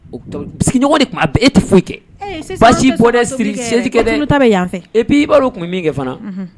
Sigiɲɔgɔn de tun e tɛ foyi kɛ baasi bɔɛ bɛ yan fɛpi i'a tun min kɛ fana